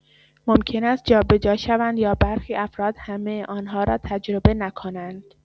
ممکن است جابه‌جا شوند یا برخی افراد همه آن‌ها را تجربه نکنند.